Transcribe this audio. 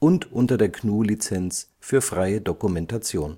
und unter der GNU Lizenz für freie Dokumentation